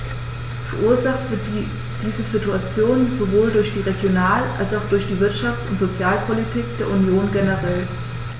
Verursacht wird diese Situation sowohl durch die Regional- als auch durch die Wirtschafts- und Sozialpolitik der Union generell.